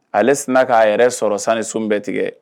Ales ka'a yɛrɛ sɔrɔ san ni sun bɛɛ tigɛ